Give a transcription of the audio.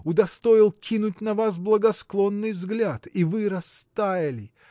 удостоил кинуть на вас благосклонный взгляд – и вы растаяли